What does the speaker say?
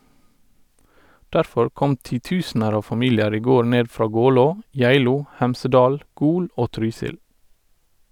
Derfor kom titusener av familier i går ned fra Gålå , Geilo, Hemsedal , Gol og Trysil.